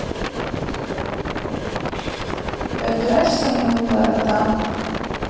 поиграешь со мной в города